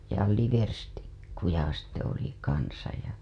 ja liverstikkuja sitten oli kanssa ja